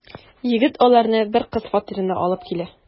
Егет аларны бер кыз фатирына алып килә.